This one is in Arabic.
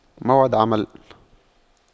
موعد عمل